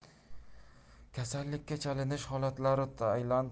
kasallikka chalinish holatlari tailand